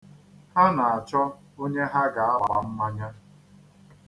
Ha na-achọ onye ha ga-agba mmanya.